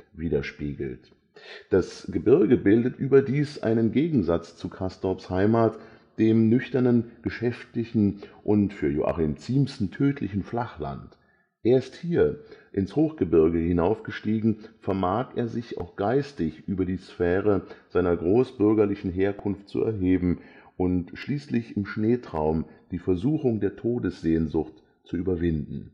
widerspiegelt. Das Gebirge bildet überdies einen Gegensatz zu Castorps Heimat, dem nüchternen, geschäftlichen und (für Joachim Ziemßen) tödlichen „ Flachland “. Erst hier, ins Hochgebirge hinaufgestiegen, vermag er, sich auch geistig über die Sphäre seiner großbürgerlichen Herkunft zu erheben und schließlich, im „ Schneetraum “, die Versuchung der Todessehnsucht zu überwinden